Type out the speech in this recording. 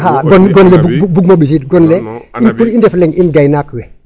xa'aa gon le bugum o ɓisiid i pour i ndef leŋ in gaynaak we.